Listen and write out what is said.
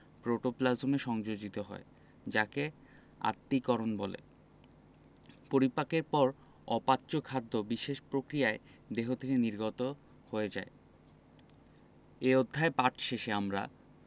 প্রোটোপ্লাজমে সংযোজিত হয় যাকে আত্তীকরণ বলে পরিপাকের পর অপাচ্য খাদ্য বিশেষ প্রক্রিয়ায় দেহ থেকে নির্গত হয়ে যায় এ অধ্যায় পাঠ শেষে আমরা